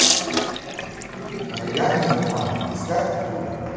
оригами из бумаги искать в ютубе